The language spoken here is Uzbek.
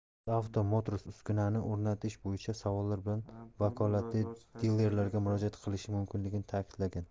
uzauto motors uskunani o'rnatish bo'yicha savollar bilan vakolatli dilerlarga murojaat qilishi mumkinligi ta'kidlangan